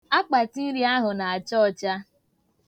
Akpatinri ahụ na-acha ọcha.